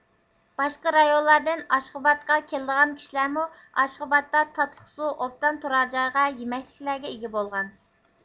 باشقا رايونلاردىن ئاشخاباردقا كېلىدىغان كىشىلەرمۇ ئاشخابادتا تاتلىق سۇ ئوبدان تۇرار جايغا يېمەكلىكلەرگە ئىگە بولغان